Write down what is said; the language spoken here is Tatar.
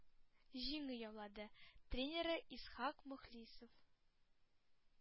Җиңү яулады тренеры – исхак мөхлисов